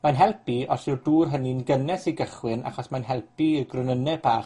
Mae'n helpu os yw'r dŵr hynny'n gynnes i gychwyn, achos mae'n helpu i gronynne bach